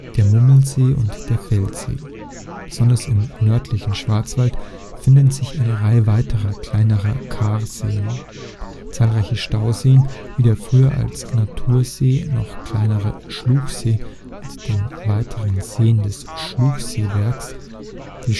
der Mummelsee und der Feldsee. Besonders im nördlichen Schwarzwald finden sich eine Reihe weiterer kleiner Karseen. Zahlreiche Stauseen wie der – früher als Natursee noch kleinere – Schluchsee mit den weiteren Seen des Schluchseewerks, die